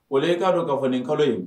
Olen ye k'a don ka kunnafoni kalo ye